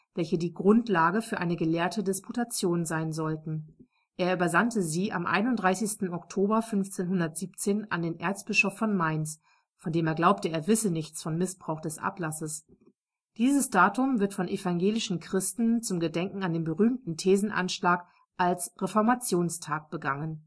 welche die Grundlage für eine gelehrte Disputation sein sollten. Er übersandte sie am 31. Oktober 1517 an den Erzbischof von Mainz, von dem er glaubte, er wisse nichts vom Missbrauch des Ablasses. Dieses Datum wird von evangelischen Christen zum Gedenken an den berühmten Thesenanschlag als Reformationstag begangen